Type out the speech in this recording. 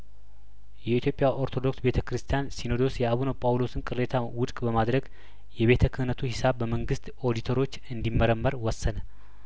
የኢትዮጵያ ኦርቶዶክስ ቤተ ክርስቲያን ሲኖዶስ የአቡነ ጳውሎስን ቅሬታ ውድቅ በማድረግ የቤተ ክህነቱ ሂሳብ በመንግስት ኦዲተሮች እንዲ መረመር ወሰነ